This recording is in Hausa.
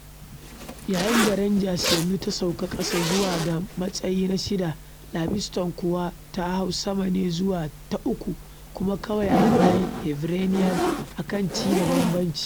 Yayin da Rangers yanzu ta sauka ƙasa zuwa ga matsayi na shida, Livingston kuwa ta hau sama ne zuwa ta uku kuma kawai a bayan Hibernian a kan ci na bambanci.